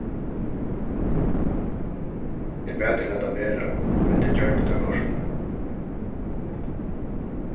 eg bað tey lata vera men tey gjørdu tað kortini